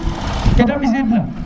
kede ɓisiin na